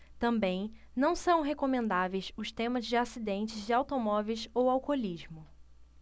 também não são recomendáveis os temas de acidentes de automóveis ou alcoolismo